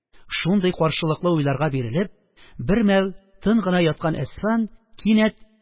Шундый каршылыклы уйларга бирелеп, бермәл тын гына яткан Әсфан кинәт